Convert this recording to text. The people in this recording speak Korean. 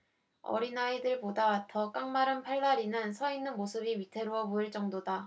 어린아이들보다 더 깡마른 팔다리는 서 있는 모습이 위태로워 보일 정도다